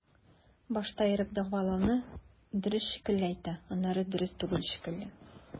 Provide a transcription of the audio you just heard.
Башта ирек дәгъвалауны дөрес шикелле әйтә, аннары дөрес түгел шикелле.